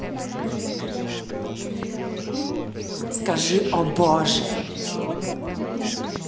скажи о боже